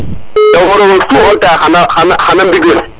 te rewe tu na ŋoyta xana mbing wino yo